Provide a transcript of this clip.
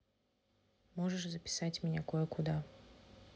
можешь записать меня кое куда